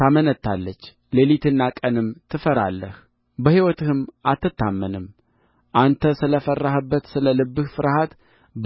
ታመነታለች ሌሊትና ቀንም ትፈራለህ በሕይወትህም አትታመንም አንተ ስለ ፈራህበት ስለ ልብህ ፍርሃት